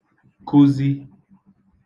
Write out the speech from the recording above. kụzi